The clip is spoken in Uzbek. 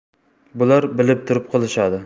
bular bilib turib qilishadi